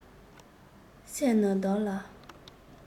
སེམས ནི བདག ལ